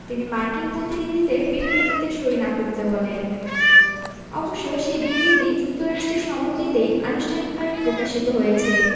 তিনি মার্কিন প্রতিনিধিদের বিবৃতিতে সই না করতে বলেন অবশ্য সে বিবৃতি যুক্তরাষ্ট্রের সম্মতিতেই আনুষ্ঠানিকভাবে প্রকাশিত হয়েছে